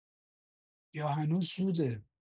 یا هنوز زوده؟